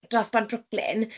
dros bont Brooklyn.